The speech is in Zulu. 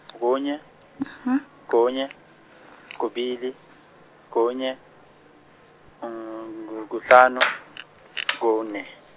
kunye, kunye, kubili, kunye, ku- kuhlanu, kune.